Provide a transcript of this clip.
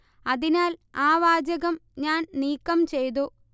അതിനാൽ ആ വാചകം ഞാൻ നീക്കം ചെയ്തു